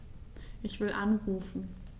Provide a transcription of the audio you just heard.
Ich will anrufen.